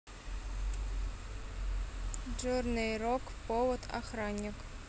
journey rock повод охранник